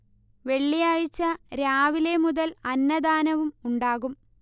വെള്ളിയാഴ്ച രാവിലെ മുതൽ അന്നദാനവും ഉണ്ടാകും